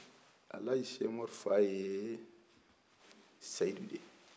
ɛlaji sɛkumaru fa ye sɛyidu de ye